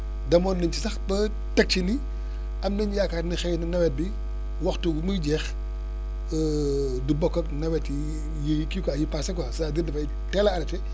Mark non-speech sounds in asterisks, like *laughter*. demoon nañ si sax ba teg ci ni *breath* am nañu yaakaar ne xëy na nawet bi waxtu bi muy jeex *hesitation* du bokk ak nawet yi *hesitation* yi quoi yi passées quoi c' est à dire dafay teel a arrêté *breath*